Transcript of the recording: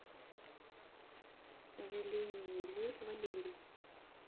желейный медведь валерий